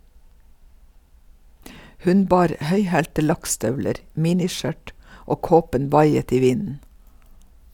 Hun bar høyhælte lakkstøvler, miniskjørt, og kåpen vaiet i vinden.